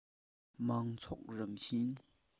མང ཚོགས རང བཞིན